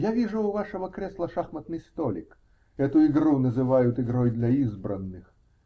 Я вижу у вашего кресла шахматный столик; эту игру называют игрой для избранных.